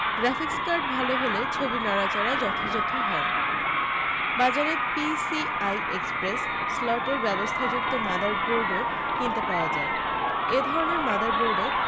graphics card ভাল হলে ছবির নড়াচড়া যথাযথ হয় বাজারে পিসিআই এক্সপ্রেস স্লটের ব্যবস্থা্যুক্ত মাদারবোর্ডও কিনতে পাওয়া যায় এই ধরণের মাদারবোর্ডে